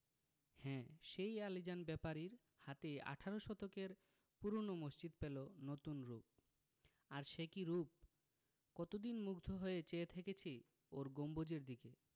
হ্যাঁ সেই আলীজান ব্যাপারীর হাতেই আঠারো শতকের পুরোনো মসজিদ পেলো নতুন রুপ আর সে কি রুপ কতদিন মুগ্ধ হয়ে চেয়ে থেকেছি ওর গম্বুজের দিকে